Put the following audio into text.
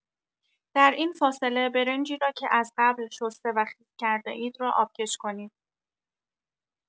در این فاصله برنجی را که از قبل شسته و خیس کرده‌اید را آبکش کنید.